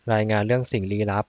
รายงานเรื่องสิ่งลี้ลับ